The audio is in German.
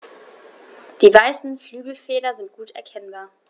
Die weißen Flügelfelder sind gut erkennbar.